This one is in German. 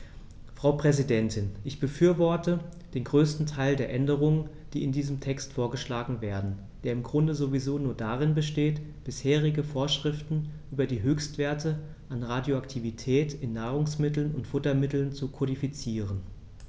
Frau Präsidentin, ich befürworte den größten Teil der Änderungen, die in diesem Text vorgeschlagen werden, der im Grunde sowieso nur darin besteht, bisherige Vorschriften über die Höchstwerte an Radioaktivität in Nahrungsmitteln und Futtermitteln zu kodifizieren.